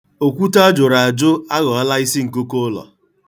Okwute a jụrụ ajụ aghọọla isi nkuku ụlọ.